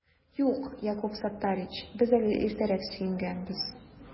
Юк, Якуб Саттарич, без әле иртәрәк сөенгәнбез